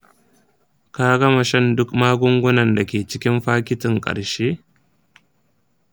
ka gama shan duk magungunan da ke cikin fakitin ƙarshe?